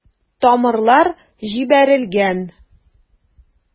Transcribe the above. Тамырлар җибәрелгән.